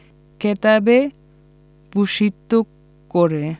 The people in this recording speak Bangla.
খেতাবে ভূষিত করে